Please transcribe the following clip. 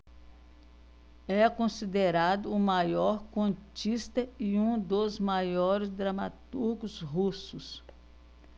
é considerado o maior contista e um dos maiores dramaturgos russos